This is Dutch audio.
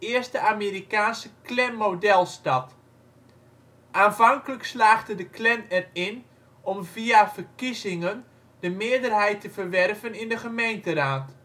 eerste Amerikaanse Klan-modelstad. Aanvankelijk slaagde de Klan erin om via verkiezingen de meerderheid te verwerven in de gemeenteraad